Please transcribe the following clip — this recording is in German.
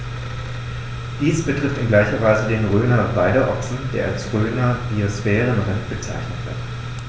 Dies betrifft in gleicher Weise den Rhöner Weideochsen, der auch als Rhöner Biosphärenrind bezeichnet wird.